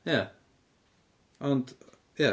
Ia, ond ia.